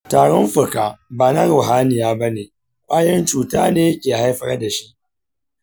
tarin fuka ba na ruhaniya ba ne; ƙwayoyin cuta ne ke haifar da shi.